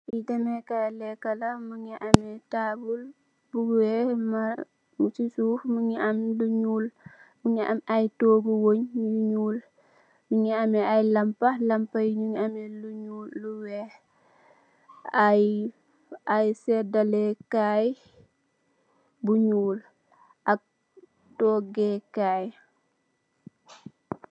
Le deme kai leka la mongi ame tabul bu weex si suuf mongi am lu mogi am ay togu weng yu nuul mongi ame ay lampa lampa yi nyugi ame lu nuul lu weex ay ay sedale kai bu nuul ak toge kai.